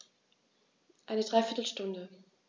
Eine dreiviertel Stunde